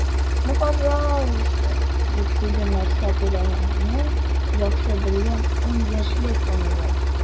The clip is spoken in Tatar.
"ну пожалуйста," - дип куйды нәрсә теләгәнен яхшы белгән ун яшьлек оныгым.